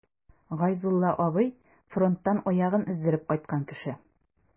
Гайзулла абый— фронттан аягын өздереп кайткан кеше.